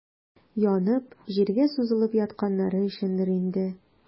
Янып, җиргә сузылып ятканнары өчендер инде.